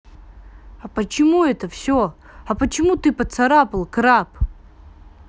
а почему это все а почему ты поцарапал краб